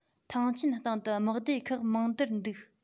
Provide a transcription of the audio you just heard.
ཐང ཆེན སྟེང དུ དམག སྡེ ཁག མང བདར འདུག